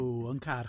O, yn car.